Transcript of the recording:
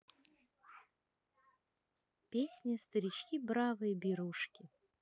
песня старички бравые берушки